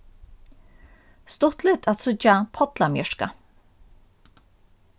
stuttligt at síggja pollamjørka